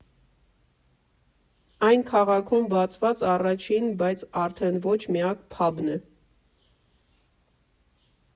Այն քաղաքում բացված առաջին, բայց արդեն ոչ միակ փաբն է։